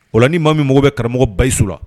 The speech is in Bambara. Ola ni maa min mago bɛ karamɔgɔ Bayusu la